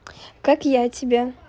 как я тебя